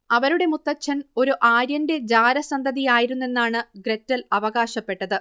അവരുടെ മുത്തച്ഛൻ ഒരു ആര്യന്റെ ജാരസന്തതിയായിരുന്നെന്നാണ് ഗ്രെറ്റൽ അവകാശപ്പെട്ടത്